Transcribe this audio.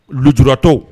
Turaulalatɔ